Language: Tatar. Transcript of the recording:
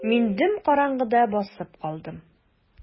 Мин дөм караңгыда басып калдым.